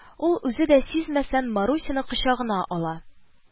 Ул, үзе дә сизмәстән, Марусяны кочагына ала